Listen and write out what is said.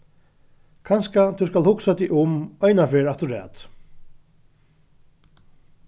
kanska tú skalt hugsa teg um einaferð afturat